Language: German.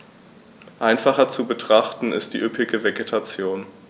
Einfacher zu betrachten ist die üppige Vegetation.